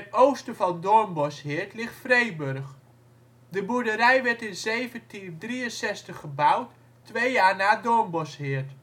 oosten van Doornbosheerd ligt Freeburg. De boerderij werd in 1763 gebouwd, twee jaar na Doornbosheerd